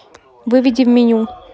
выведи в меню